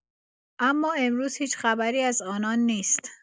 اما امروز هیچ خبری از آنان نیست.